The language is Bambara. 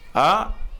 A